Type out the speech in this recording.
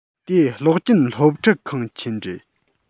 དེ གློག ཅན སློབ ཁྲིད ཁང ཆེན རེད